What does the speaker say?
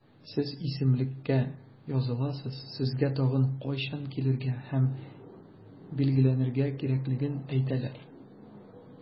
Сез исемлеккә языласыз, сезгә тагын кайчан килергә һәм билгеләнергә кирәклеген әйтәләр.